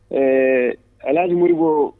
Ɛɛ ala'a ni moribo